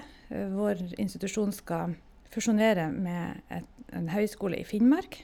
Vår institusjon skal fusjonere med et en høyskole i Finnmark.